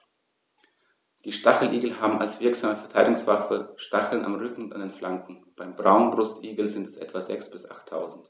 Die Stacheligel haben als wirksame Verteidigungswaffe Stacheln am Rücken und an den Flanken (beim Braunbrustigel sind es etwa sechs- bis achttausend).